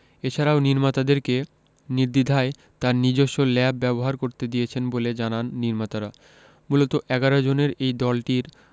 এছাড়াও নির্মাতাদেরকে নির্দ্বিধায় তার নিজস্ব ল্যাব ব্যবহার করতে দিয়েছেন বলে জানান নির্মাতারামূলত ১১ জনের এই দলটির